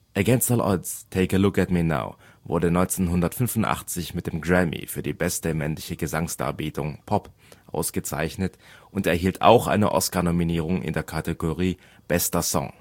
Against All Odds (Take a Look at Me Now) wurde 1985 mit dem Grammy für die Beste männliche Gesangsdarbietung – Pop ausgezeichnet und erhielt auch eine Oscar-Nominierung in der Kategorie Bester Song